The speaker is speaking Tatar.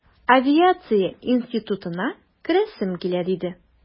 Авиация институтына керәсем килә, диде...